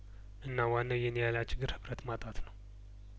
እና ዋናው የኒያላ ችግር ህብረት ማጣት ነው